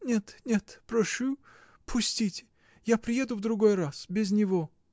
— Нет, нет; прошю, пустите — я приеду в другой раз, без него.